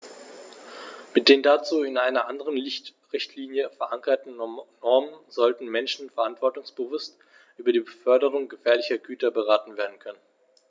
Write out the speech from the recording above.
Mit den dazu in einer anderen Richtlinie, verankerten Normen sollten Menschen verantwortungsbewusst über die Beförderung gefährlicher Güter beraten werden können.